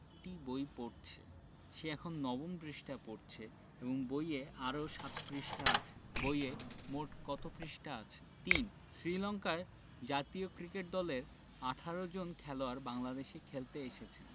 একটি বই পড়ছে সে এখন নবম পৃষ্ঠা পড়ছে এবং বইয়ে আরও ৭ পৃষ্ঠা আছে বইয়ে মোট কত পৃষ্ঠা আছে ৩ শ্রীলংকায় জাতীয় ক্রিকেট দলের ১৮ জন খেলোয়াড় বাংলাদেশে খেলতে এসেছেন